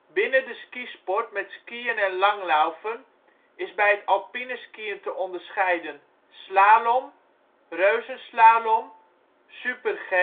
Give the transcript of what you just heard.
Binnen de skisport met skiën en langlaufen is bij het alpineskiën te onderscheiden: Slalom Reuzenslalom Super G